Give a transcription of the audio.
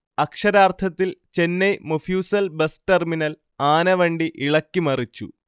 അക്ഷരാർഥത്തിൽ Chennai mofussil bus terminal ആനവണ്ടി ഇളക്കി മറിച്ചു